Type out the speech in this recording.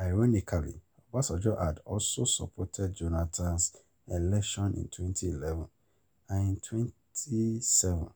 Ironically, Obasanjo had also supported Jonathan's election in 2011. And in 2007,